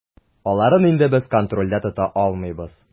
Аларын инде без контрольдә тота алмыйбыз.